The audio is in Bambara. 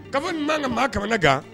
Ka fɔ min' ka maa ka kan